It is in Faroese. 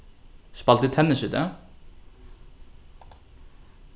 spældu tennis í dag